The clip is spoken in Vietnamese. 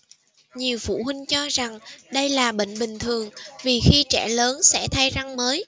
nhiều phụ huynh cho rằng đây là bệnh bình thường vì khi trẻ lớn sẽ thay răng mới